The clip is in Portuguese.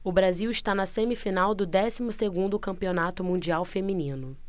o brasil está na semifinal do décimo segundo campeonato mundial feminino